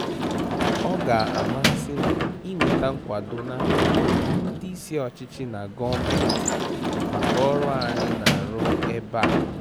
Ọ ga-amasị m ịnweta nkwado n'aka ndị isi ọchịchị na gọọmenti maka ọrụ anyị na-arụ ebe a.